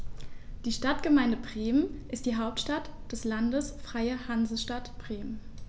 Die Stadtgemeinde Bremen ist die Hauptstadt des Landes Freie Hansestadt Bremen.